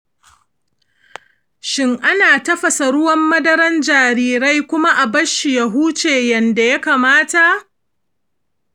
shin ana tafasa ruwan madaran jarirai kuma a barshi ya huce yadda ya kamata?